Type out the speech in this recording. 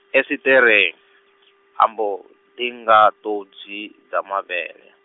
Esiṱere, a mbo, ḓi nga ṱhodzi, dza mavhele.